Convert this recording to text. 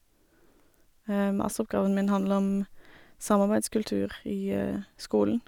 Masteroppgaven min handler om samarbeidskultur i skolen.